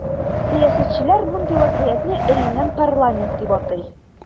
Сәясәтчеләр мондый вазгыятне “эленгән парламент” дип атый.